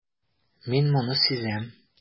Мин моны сизәм.